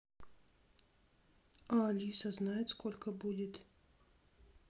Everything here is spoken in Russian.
а алиса знает сколько будет